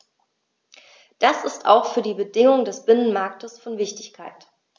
Das ist auch für die Bedingungen des Binnenmarktes von Wichtigkeit.